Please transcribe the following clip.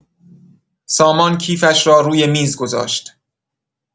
سامان کیفش را روی میز گذاشت.